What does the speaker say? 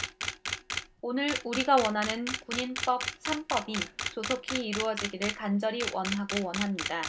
오늘 우리가 원하는 군인법 삼 법이 조속히 이뤄지기를 간절히 원하고 원합니다